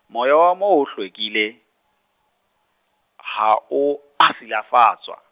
moya wa moo o hlwekile, ha o silafatswa.